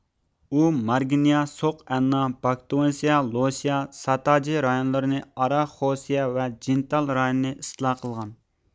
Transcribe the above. ئۇ مارگنيا سوق ئەننا باكتوۋنسىيا لوشيا ساتاجى رايونلىرىنى ئاراخوسيە ۋە جىنتال رايونىنى ئىستىلا قىلغان